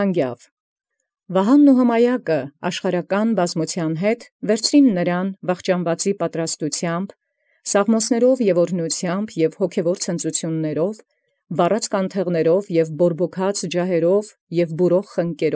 Զոր առեալ Վահանայ և Հմայեկի կազմութեամբ վախճանելոյ, հանդերձ աշխարհական ամբոխիւ, սաղմոսիւք և աւրհնութեամբ և հոգևոր ցնծութեամբք, կանթեղաւք վառելովք և ջահիւք բորբոքելովք և խնկաւք։